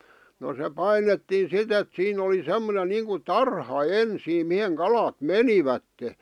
no se painettiin sitten että siinä oli semmoinen niin kuin tarha ensin mihin kalat menivät